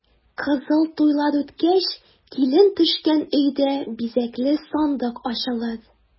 Кызыл туйлар үткәч, килен төшкән өйдә бизәкле сандык ачылыр.